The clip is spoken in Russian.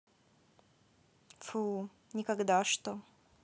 фууу никогда что